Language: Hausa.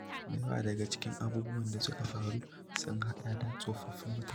Da yawa daga cikin abubuwan da suka faru sun haɗa da tsofaffin mutane.